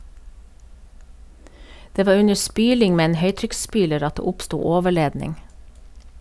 Det var under spyling med en høytrykksspyler at det oppsto overledning.